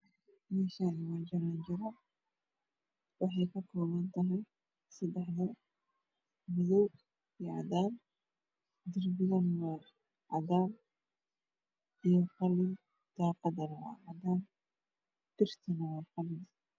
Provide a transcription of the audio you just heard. Mashan waa jarjaro kalar kedo waa madow iyo cadan darbiga waa cadan iyo qalin daaqda waa cadan bartana waa qalin